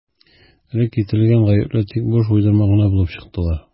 Элек китерелгән «гаепләр» тик буш уйдырма гына булып чыктылар.